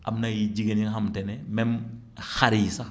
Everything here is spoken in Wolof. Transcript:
am nay jigéen yi nga xamante ne même xar yi sax